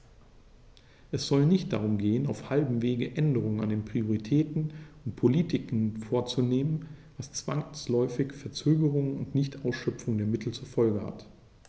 Es sollte nicht darum gehen, auf halbem Wege Änderungen an den Prioritäten und Politiken vorzunehmen, was zwangsläufig Verzögerungen und Nichtausschöpfung der Mittel zur Folge hat.